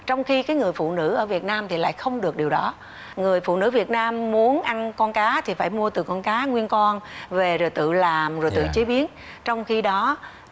trong khi cái người phụ nữ ở việt nam thì lại không được điều đó người phụ nữ việt nam muốn ăn con cá thì phải mua từ con cá nguyên con về rồi tự làm rồi tự chế biến trong khi đó